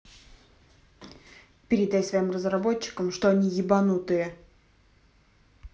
передай своим разработчикам что они ебанутые